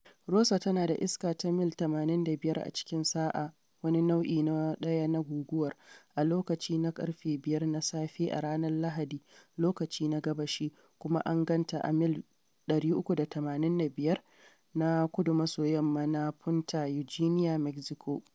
Rosa tana da iska ta mil 85 a cikin sa’a, wani Nau’i na 1 na Guguwar, a lokaci na ƙarfe 5 na safe a ranar Lahadi lokaci na Gabashi, kuma an gan ta a mil 385 na kudu-maso-yamma na Punta Eugenia, Mexico.